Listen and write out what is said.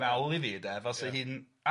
mawl iddi, 'de, fel se hi'n